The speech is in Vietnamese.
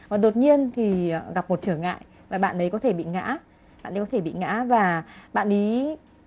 và đột nhiên thì gặp một trở ngại và bạn ấy có thể bị ngã bạn ấy có thể bị ngã và bạn ý